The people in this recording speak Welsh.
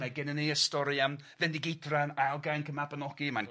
Mae gennyn ni y stori am Fendigeidfran ail gainc y Mabinogi mae'n